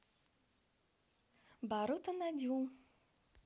боруто надю